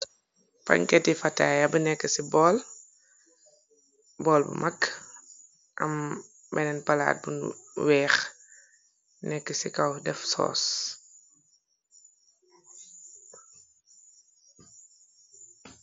Panketi fataya b nekk ci bool , bool bu mag am meneen palaat bu weex nekk ci kaw def sos.